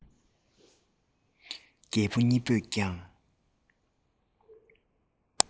རྒད པོ གཉིས པོས ཀྱང